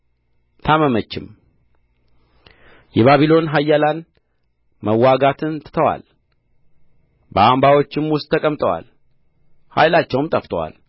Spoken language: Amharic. ታመመችም የባቢሎን ኃያላን መዋጋትን ትተዋል በአምባዎቻቸውም ውስጥ ተቀምጠዋል ኃይላቸውም ጠፍቶአል